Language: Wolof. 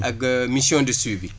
ak mission de suivie